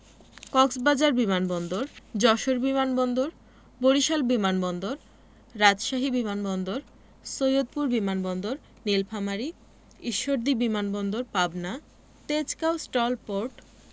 কক্সবাজার বিমান বন্দর যশোর বিমান বন্দর বরিশাল বিমান বন্দর রাজশাহী বিমান বন্দর সৈয়দপুর বিমান বন্দর নিলফামারী ঈশ্বরদী বিমান বন্দর পাবনা তেজগাঁও স্টল পোর্ট